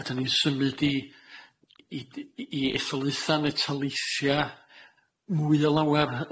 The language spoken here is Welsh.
ydyn ni'n symud i i d- i etholaetha ne' taleithia mwy o lawer,